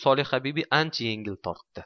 solihabibi ancha yengil tortdi